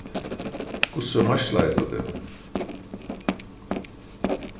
hvussu meiðslaði tú teg